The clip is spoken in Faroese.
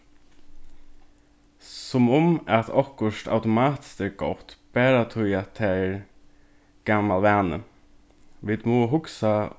sum um at okkurt automatiskt er gott bara tí at tað er gamal vani vit mugu hugsa